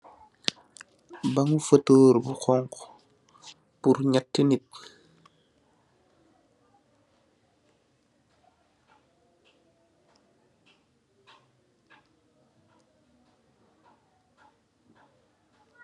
Bangi fotor bu xonxa pul neeti nit.